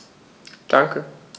Danke.